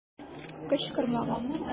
Кычкырмагыз!